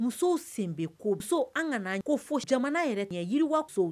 Musow sen bɛ ko muso an ka ko fo jamana yɛrɛ tun yiriwamuso